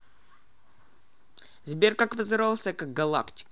сбер как поздоровалась галактика